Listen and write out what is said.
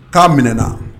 K'a minɛɛna